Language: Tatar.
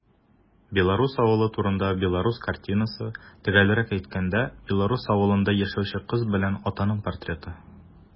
Белорус авылы турында белорус картинасы - төгәлрәк әйткәндә, белорус авылында яшәүче кыз белән атаның портреты.